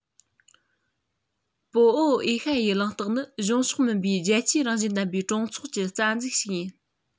པོ ཨའོ ཨེ ཤ ཡའི གླེང སྟེགས ནི གཞུང ཕྱོགས མིན པའི རྒྱལ སྤྱིའི རང བཞིན ལྡན པའི གྲོས ཚོགས ཀྱི རྩ འཛུགས ཤིག ཡིན